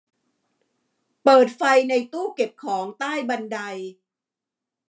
เปิดไฟในตู้เก็บของใต้บันได